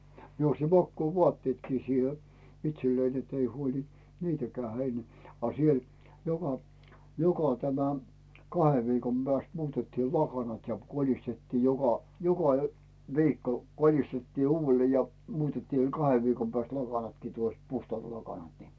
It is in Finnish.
minä osti makuuvaatteetkin siihen itselleni että ei huoli niitäkään heidän a siellä joka joka tämä kahden viikon päästä muutettiin lakanat ja kolistettiin joka joka - viikko kolistettiin uudelleen ja muutettiin kahden viikon päästä lakanatkin tuosta puhtaat lakanat niin